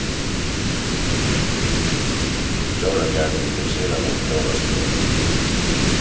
í djóragarðinum eru sera nógv djórasløg